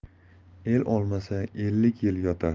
el olmasa ellik yil yotar